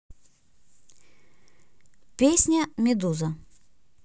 песня медуза